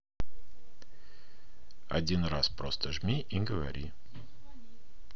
один раз просто жми и говори